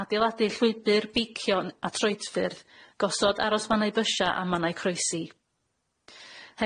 adeiladu llwybr beicion a troedffyrdd, gosod arosfannau bysia a mannau croesi.